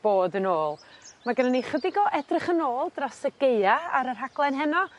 bod yn ôl ma' gynno ni chydig o edrych yn ôl dros y Gaea ar y rhaglen heno